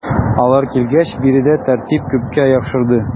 Алар килгәч биредә тәртип күпкә яхшырды.